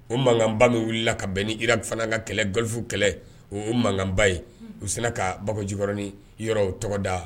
O mankan ba min wili ka bɛn ni Irak fana ka kɛlɛ Golf kɛlɛ. O mankan ba in, o sina ka Bakɔjikɔrɔni yɔrɔw tɔgɔ da mankanba ye u tɛna ka babako jkɔrɔnin yɔrɔw tɔgɔda.